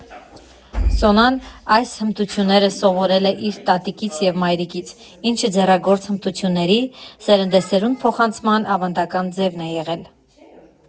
Սոնան այս հմտությունները սովորել է իր տատիկից և մայրիկից, ինչը ձեռագործ հմտությունների՝ սերնդեսերունդ փոխանցման ավանդական ձևն է եղել։